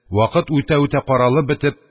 Вакыт үтә-үтә каралып бетеп,